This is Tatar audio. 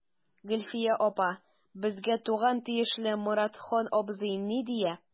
Гөлфия апа, безгә туган тиешле Моратхан абзый ни дия.